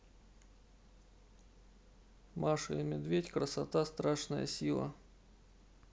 маша и медведь красота страшная сила